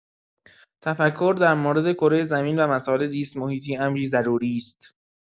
تفکر در مورد کره زمین و مسائل زیست‌محیطی امری ضروری است.